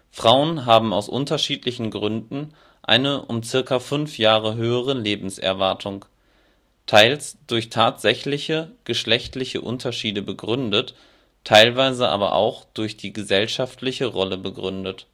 Frauen haben aus unterschiedlichen Gründen eine um ca. fünf Jahre höhere Lebenserwartung, teils durch tatsächliche geschlechtliche Unterschiede begründet, teilweise aber auch durch die gesellschaftliche Rolle begründet